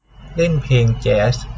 เล่นเพลงแจ๊ส